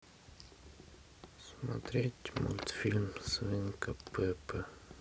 смотреть мультфильм свинка пеппа